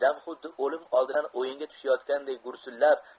dam xuddi o'lim oldidan o'yinga tushayotganday gursillab